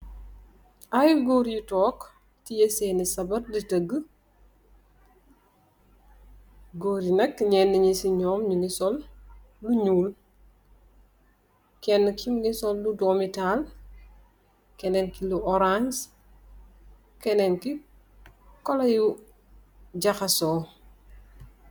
Ay gór yu tóóg teyeh sèèn ni sabarr di tega gór yi nak ñeeni ñi ci ñow ñu ngi sol lu ñuul. Kenna ki mugii sol lu doomi tahal, kenen ki lu orans, kenen ki kolour yu jaxasoo.